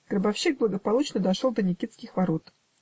Гробовщик благополучно дошел до Никитских ворот.